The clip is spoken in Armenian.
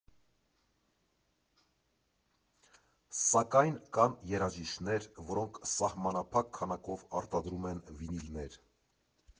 Սակայն կան երաժիշտներ, որոնք սահմանափակ քանակով արտադրում են վինիլներ։